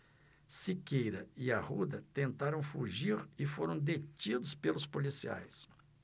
siqueira e arruda tentaram fugir e foram detidos pelos policiais